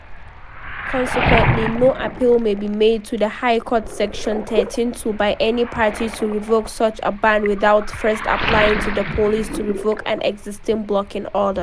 Consequently, "no appeal may be made to the High Court" [Section 13(2)] by any party to revoke such a ban without first applying to the police to revoke an existing blocking order.